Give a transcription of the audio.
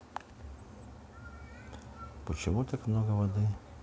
почему так много воды